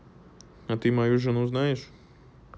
а ты мою жену знаешь